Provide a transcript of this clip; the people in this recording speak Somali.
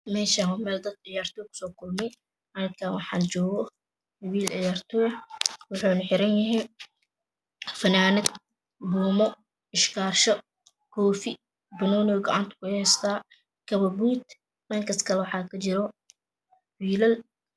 Meeshan waa meel dad ciyaartooy ahaa jogo waxaa joogo wiil ciyaartooy ah wuxuuna xiranyahay funaanad buumo iskaalsho iyo iyo koofi banooni uu gacanta ku haystaa wuxu qabaa kabo buud dhankas kale waxaa kajiro wiilal